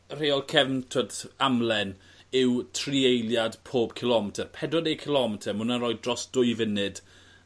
y rheol cefn t'wod amlen yw tri eiliad pob cilometyr. Pedwar deg cilometyr ma' wnna roi dros dwy funud